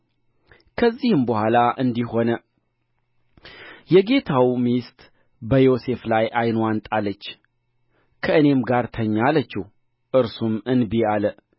ይህንም ነገር በየዕለቱ ለዮሴፍ ትነግረው ነበር እርሱም ከእርስዋ ጋር ይተኛ ዘንድ ከእርስዋም ጋር ይሆን ዘንድ አልሰማትም